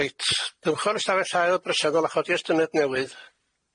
Reit dywch o'r ystafell haul breseddol a chi'r estyniad newydd.